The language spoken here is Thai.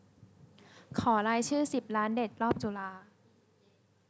ขอรายชื่อสิบร้านเด็ดรอบจุฬา